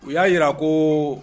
U y'a jira a ko